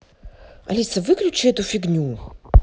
алиса выключи эту фигню